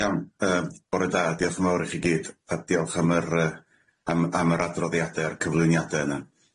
Iawn yym bore da, diolch yn fawr i chi gyd a diolch am yr yy am am yr adroddiade a'r cyflwyniade yna.